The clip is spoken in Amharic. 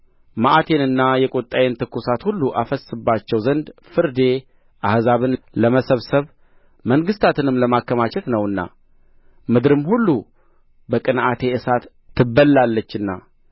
መዓቴንና የቍጣዬን ትኵሳት ሁሉ አፈስስባቸው ዘንድ ፍርዴ አሕዛብን ለመሰብሰብ መንግሥታትንም ለማከማቸት ነውና ምድርም ሁሉ በቅንዓቴ እሳት ትበላለችና